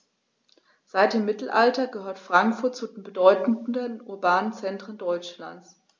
Seit dem Mittelalter gehört Frankfurt zu den bedeutenden urbanen Zentren Deutschlands.